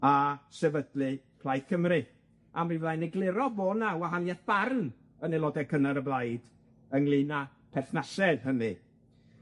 a sefydlu Plaid Cymru, a mi fyddai'n egluro bo' 'na wahanieth barn yn aelode cynnar y blaid ynglŷn â perthnasedd hynny.